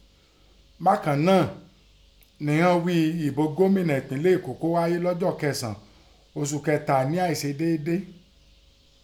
Bákàn náà ni ghọ́n ghí i pé ìbò Gómìnà ìpínlẹ̀ Èkó kọ́ háyé lọ́jọ́ kẹsàn án, osù Kẹta nẹ́ àìṣedéédé.